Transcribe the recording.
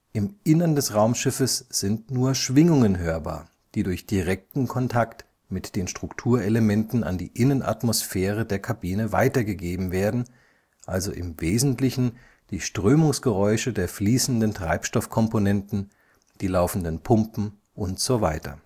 Im Inneren des Raumschiffes sind nur Schwingungen hörbar, die durch direkten Kontakt mit den Strukturelementen an die Innenatmosphäre der Kabine weitergegeben werden, also im Wesentlichen die Strömungsgeräusche der fließenden Treibstoffkomponenten, die laufenden Pumpen usw.